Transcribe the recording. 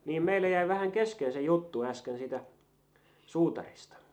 niin meille jäi vähän kesken se juttu äsken siitä suutarista